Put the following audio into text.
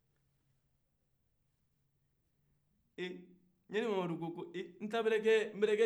ee ɲanimamudu ko ko e n ta bada kɛ jamana di